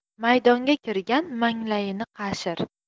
maydonga kirgan manglayini qashir